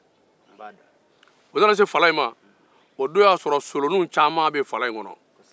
u nana se fala in ma uo don y'a sɔrɔ solonin caman be fala in kɔnɔ